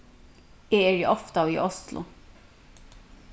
eg eri ofta í oslo